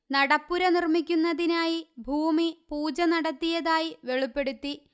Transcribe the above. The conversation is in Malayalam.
നടപ്പുര നിര്മിക്കുന്നതിനായി ഭൂമി പൂജ നടത്തിയതായി വെളിപ്പെടുത്തി